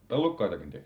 tallukkaitakin tehtiin